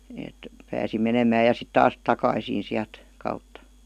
että pääsi menemään ja sitten taas takaisin sieltä kautta